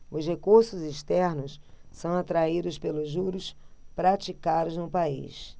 os recursos externos são atraídos pelos juros praticados no país